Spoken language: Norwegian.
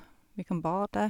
Vi kan bade.